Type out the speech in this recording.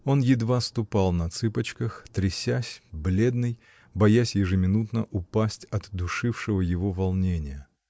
Он едва ступал на цыпочках, трясясь, бледный, боясь ежеминутно упасть от душившего его волнения.